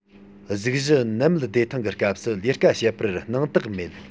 གཟུགས གཞི ནད མེད བདེ ཐང གི སྐབས སུ ལས ཀ བྱེད པར སྣང དག མེད